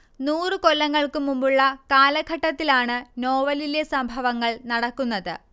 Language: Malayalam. നൂറു കൊല്ലങ്ങൾക്കുമുമ്പുള്ള കാലഘട്ടത്തിലാണ് നോവലിലെ സംഭവങ്ങൾ നടക്കുന്നത്